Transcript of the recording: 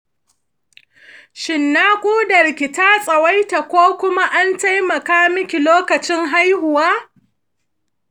shin nakudarki ta tsawaita ko kuma an taimaka miki lokacin haihuwa?